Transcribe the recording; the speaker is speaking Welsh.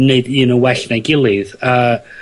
neud un yn well na'i gilydd, a